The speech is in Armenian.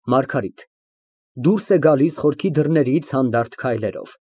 ՄԱՐԳԱՐԻՏ ֊ (Դուրս է գալիս խորքի դռներից հանդարտ քայլերով)։